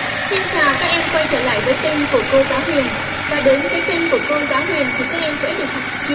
xin chào các em quay trở lại với tên của cô giáo hiền và đến với kênh của cô giáo hiền thì các em sẽ được học